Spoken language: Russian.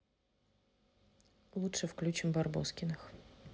лучше включим барбоскиных